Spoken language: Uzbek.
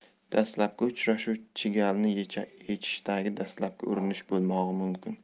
dastlabki uchrashuv chigalni yechishdagi dastlabki urinish bo'lmog'i mumkin